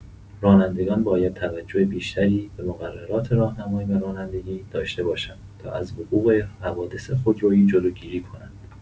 رانندگان باید توجه بیشتری به مقررات راهنمایی و رانندگی داشته باشند تا از وقوع حوادث خودروئی جلوگیری کنند.